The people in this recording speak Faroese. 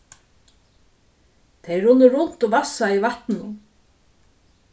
tey runnu runt og vassaðu í vatninum